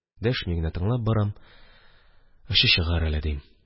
Дәшми генә тыңлап барам, очы чыгар әле, дим.